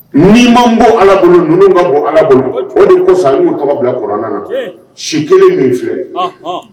Min'an bɔ bolo ka bɔ ala bolo o de ko san kaba bila kɔnɔna na sin kelen min filɛ